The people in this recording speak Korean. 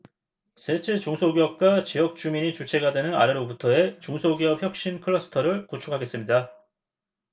셋째 중소기업과 지역주민이 주체가 되는 아래로부터의 중소기업 혁신 클러스터를 구축하겠습니다